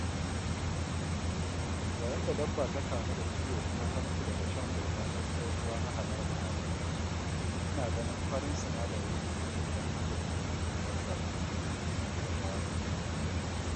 “Yayin da dabba ta kamu da ciwo kuma ta mutu daga shan gurɓataccen ruwa na haƙar ma’adinai, muna ganin farin sinadarin gishiri idan aka buɗe cikin dabbar,” in ji Moahi.